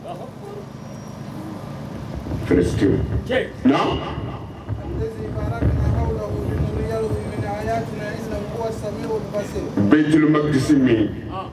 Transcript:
Jiri bɛ kisi min